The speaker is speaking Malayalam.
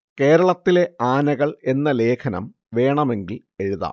കേരളത്തിലെ ആനകൾ എന്ന ലേഖനം വേണമെങ്കിൽ എഴുതാം